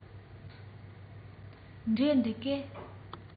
འབྲས འདུག གས